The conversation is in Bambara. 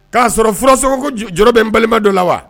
K'a sɔrɔ furasongoko jɔrɔ bɛ n balima dɔ la wa